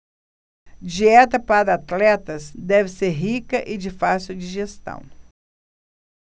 dieta para atletas deve ser rica e de fácil digestão